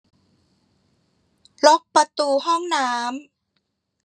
ล็อกประตูห้องน้ำ